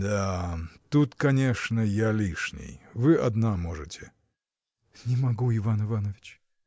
— Да, тут, конечно, я лишний: вы одна можете. — Не могу, Иван Иванович.